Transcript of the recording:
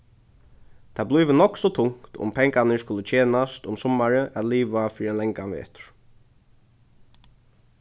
tað blívur nokk so tungt um pengarnir skulu tjenast um summarið at liva fyri ein langan vetur